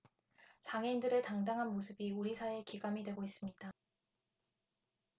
장애인들의 당당한 모습이 우리 사회의 귀감이 되고 있습니다